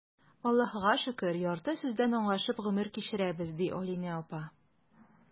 Аллаһыга шөкер, ярты сүздән аңлашып гомер кичерәбез,— ди Алинә апа.